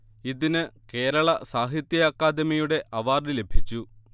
ഇതിന് കേരള സാഹിത്യ അക്കാദമിയുടെ അവാർഡ് ലഭിച്ചു